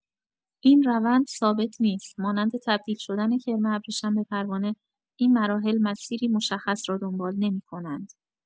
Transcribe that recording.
این روند ثابت نیست، مانند تبدیل‌شدن کرم ابریشم به پروانه، این مراحل مسیری مشخص را دنبال نمی‌کنند.